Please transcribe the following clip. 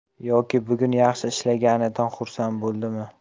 yoki bugun yaxshi ishlaganidan xursand bo'ldimi